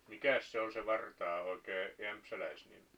mikäs se oli se vartaan oikea jämsäläisnimi